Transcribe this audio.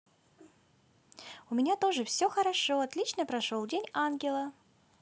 у меня тоже все хорошо отлично прошел день ангела